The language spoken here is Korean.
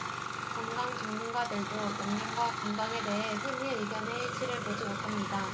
건강 전문가들도 영양과 건강에 대해 흔히 의견의 일치를 보지 못합니다